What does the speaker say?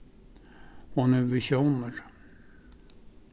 hon hevur visjónir